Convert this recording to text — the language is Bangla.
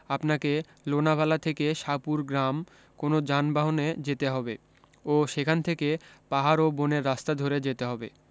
আপনাকে লোনাভালা থেকে শাপুর গ্রাম কোনো যানবাহনে যেতে হবে ও সেখান থেকে পাহাড় ও বনের রাস্তা ধরে যেতে হবে